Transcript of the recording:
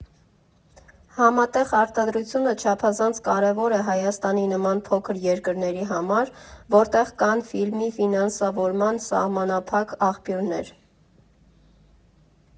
Համատեղ արտադրությունը չափազանց կարևոր է Հայաստանի նման փոքր երկրների համար, որտեղ կան ֆիլմի ֆինանսավորման սահմանափակ աղբյուրներ։